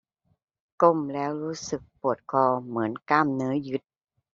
ก้มแล้วรู้สึกปวดคอเหมือนกล้ามเนื้อยึด